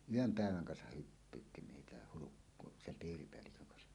yön päivän kansa hyppyytti meitä - Hulkkosen piiripäällikön kanssa